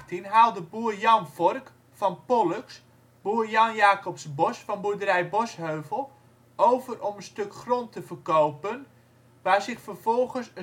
1818 haalde boer Jan Vork van Pollux boer Jan Jacobs Bos van boerderij Bosheuvel over om stuk grond te verkopen waar zich vervolgens